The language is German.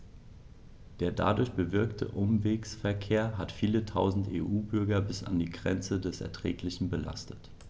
Der dadurch bewirkte Umwegsverkehr hat viele Tausend EU-Bürger bis an die Grenze des Erträglichen belastet.